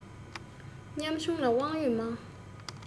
སྙོམས ཆུང ལ དབང ཡོད མང